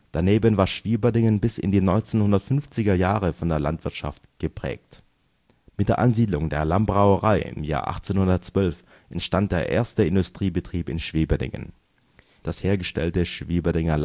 Daneben war Schwieberdingen bis in die 1950er Jahre von der Landwirtschaft geprägt. Mit der Ansiedlung der Lammbrauerei im Jahr 1812 entstand der erste Industriebetrieb in Schwieberdingen. Das hergestellte Schwieberdinger